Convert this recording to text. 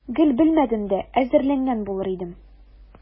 Гел белмәдем дә, әзерләнгән булыр идем.